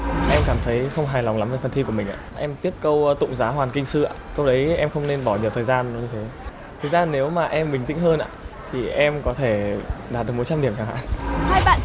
em cảm thấy không hài lòng lắm với phần thi của mình em tiếc câu tụng giá hoàn kinh sư câu đấy em không nên bỏ nhiều thời gian ra như thế thực ra nếu mà em bình tĩnh hơn ạ thì em có thể đạt một trăm điểm chẳng hạn